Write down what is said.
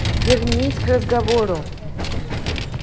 вернись к разговору